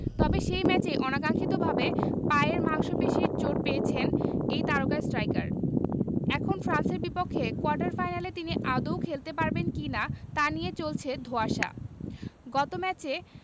তবে সেই ম্যাচেই অনাকাঙ্ক্ষিতভাবে পায়ের মাংসপেশির চোটে পড়েছেন এই তারকা স্ট্রাইকার এখন ফ্রান্সের বিপক্ষে কোয়ার্টার ফাইনালে তিনি আদৌ খেলতে পারবেন কি না তা নিয়ে চলছে ধোঁয়াশা গত ম্যাচে